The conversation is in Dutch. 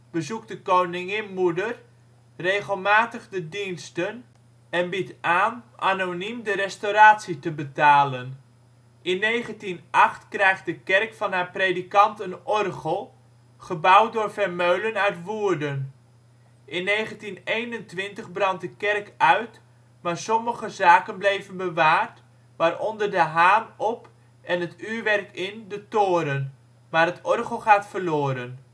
bezoekt de koningin-moeder regelmatig de diensten en biedt aan anoniem de restauratie re betalen. In 1908 krijgt de kerk van haar predikant een orgel, gebouwd door Vermeulen uit Woerden. In 1921 brandt de kerk uit maar sommige zaken bleven bewaard, w.o. de haan op en het uurwerk in de toren, maar het orgel gaat verloren